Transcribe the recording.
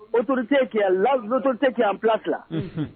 Autorité qui la, autorité qui est en place là . Unhun.